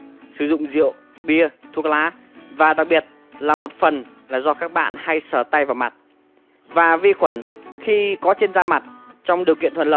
sử dụng rượu bia thuốc lá và đặc biệt là phần là do các bạn hay sờ tay vào mặt và vi khuẩn khi có trên da mặt trong điều kiện thuận lợi